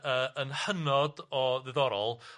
yy yn hynod o ddiddorol